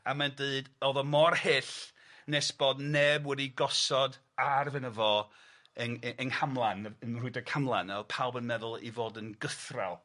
A mae'n deud o'dd o mor hyll nes bod neb wedi gosod arf yno fo yng yy yng Nghamlan yy yn mrwydr Camlan a o'dd pawb yn meddwl 'i fod yn gythral...